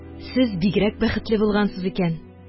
Сез бигрәк бәхетле булгансыз икән...